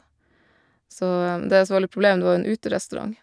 Så, det som var litt problem, det var jo en uterestaurant.